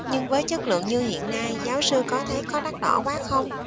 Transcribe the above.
nhưng với chất lượng như hiện nay giáo sư có thấy có đắt đỏ quá không